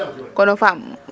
kon o faam ,